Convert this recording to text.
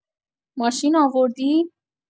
ماشین آوردی؟